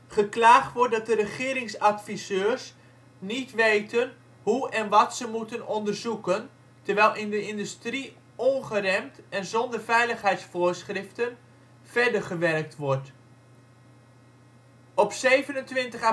Geklaagd wordt dat de regeringsadviseurs niet weten hoe en wat ze moeten onderzoeken, terwijl in de industrie ongeremd en zonder veiligheidsvoorschriften verder gewerkt wordt. Op 27 april